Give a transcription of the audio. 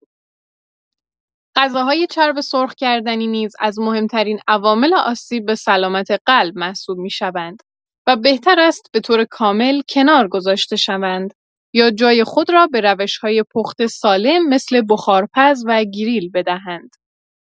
غذاهای چرب سرخ‌کردنی نیز از مهم‌ترین عوامل آسیب به سلامت قلب محسوب می‌شوند و بهتر است به‌طور کامل کنار گذاشته شوند یا جای خود را به روش‌های پخت سالم مثل بخارپز و گریل بدهند.